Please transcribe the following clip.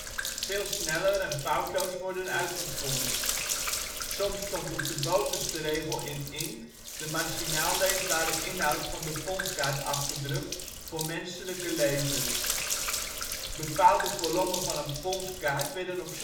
veel sneller en foutloos worden uitgeponst. Soms stond op de bovenste regel in inkt de machinaal leesbare inhoud van de ponskaart afgedrukt voor menselijke lezers. Bepaalde kolommen van een ponskaart werden op sommige